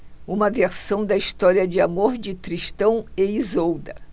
uma versão da história de amor de tristão e isolda